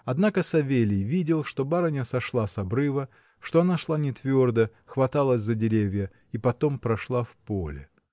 Однако Савелий видел, что барыня сошла с обрыва, что она шла нетвердо, хваталась за деревья, и потом прошла в поле.